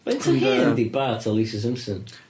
Faint o hen 'di Bart a Lisa Simpson?